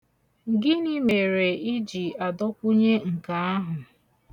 Gịnị mere ị ji adọkwụnye nke ahụ?